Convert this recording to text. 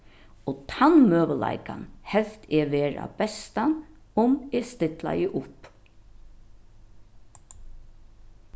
og tann møguleikan helt eg vera bestan um eg stillaði upp